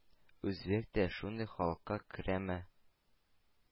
Үзбәк тә шундый халыкка керәме?